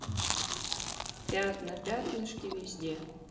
пятна пятнышки везде